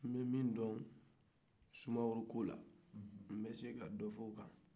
nbɛ nin dɔn sumaworo kola nbɛse ka dɔ fɔ ola